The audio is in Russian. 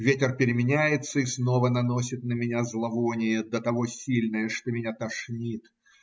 Ветер переменяется и снова наносит на меня зловоние до того сильное, что меня тошнит.